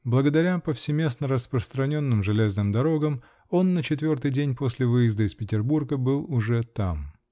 Благодаря повсеместно распространенным железным дорогам он на четвертый день после выезда из Петербурга был уже там.